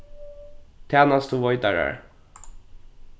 tænastuveitarar